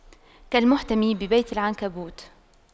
كالمحتمي ببيت العنكبوت